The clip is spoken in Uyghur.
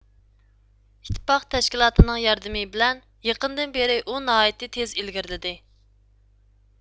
ئىتتىپاق تەشكىلاتىنىڭ ياردىمى بىلەن يېقىندىن بېرى ئۇ ناھايىتى تېز ئىلگىرىلدى